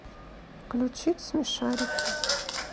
включить смешарики